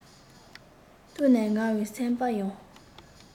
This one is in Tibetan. བསྟུན ནས ངའི སེམས པ ཡང